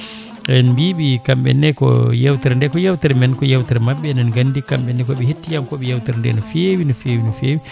en mbiɓe kamɓene ko yewtere nde ko yewtere men ko yewtere mabɓe enen gandi kamɓene kooɓe hettiyankoɓe yewtere nde no fewi no fewi no fewi